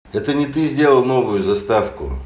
это не ты сделал новую заставку